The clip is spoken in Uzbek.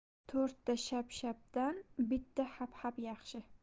to'rtta shap shapdan bitta hap hap yaxshi